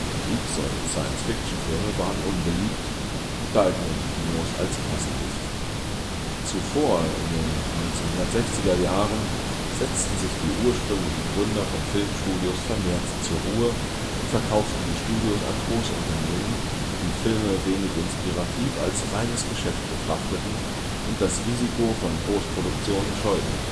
Kriegs - und Science-Fiction-Filme waren unbeliebt und galten in Kinos als Kassengift. Zuvor, in den 1960er Jahren, setzten sich die ursprünglichen Gründer von Filmstudios vermehrt zur Ruhe und verkauften die Studios an Großunternehmen, die Filme wenig inspirativ als reines Geschäft betrachteten und das Risiko von Großproduktionen scheuten